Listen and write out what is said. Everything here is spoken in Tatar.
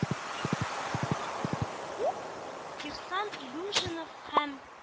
Кирсан Илюмжинов һәм